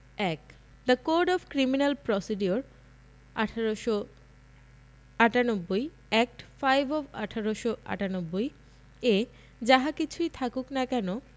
১ the code of criminal procedure ১৮৯৮ act five of ১৮৯৮ এ যাহা কিছুই থাকুক না কেন